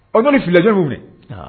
O nana ni filɛjɛw